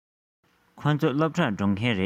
ཁོ ཚོ སློབ གྲྭར འགྲོ མཁན རེད